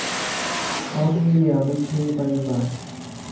самые необычные поезда